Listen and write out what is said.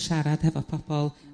siarad hefo pobol